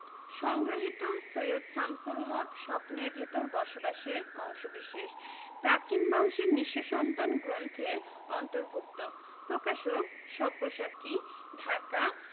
সংগৃহীত সৈয়দ শামসুল হক স্বপ্নের ভেতরে বসবাস এর অংশবিশেষ প্রাচীন বংশের নিঃস্ব সন্তান গ্রন্থের অন্তর্ভুক্ত প্রকাশকঃ সব্যসাচী ঢাকা